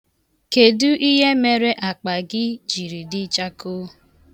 Kedụ ihe mere akpa gị jiri dị chakoo.